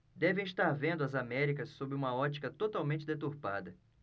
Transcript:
devem estar vendo as américas sob uma ótica totalmente deturpada